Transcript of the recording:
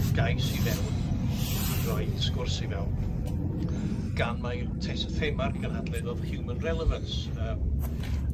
gais i fewn i roid sgwrs i fewn gan mai'r tes- thema'r gynhadledd oedd human relevance yym.